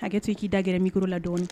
Hakɛ to k'i daɛrɛ'ikoro la dɔgɔnin